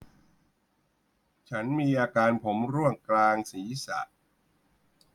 ฉันมีอาการผมร่วงกลางศีรษะ